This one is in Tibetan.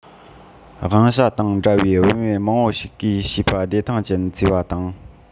ཝང ཞ དང འདྲ བའི བུད མེད མང པོ ཞིག གིས བྱིས པ བདེ ཐང ཅན བཙས པ དང